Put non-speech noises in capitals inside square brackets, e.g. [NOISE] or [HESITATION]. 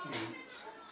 [CROSSTALK] [HESITATION]